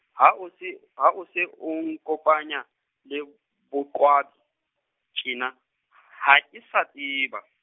ha o se, ha o se, o nkopanya, le boqwabi tjena, ha ke sa tseba.